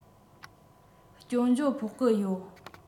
སྐྱོན བརྗོད ཕོག གི ཡོད